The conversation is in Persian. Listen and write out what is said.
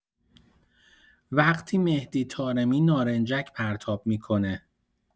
وقتی مهدی طارمی نارنجک پرتاب می‌کنه